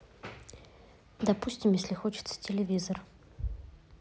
допустим если хочется телевизор